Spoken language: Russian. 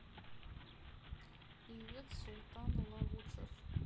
певец султан лагучев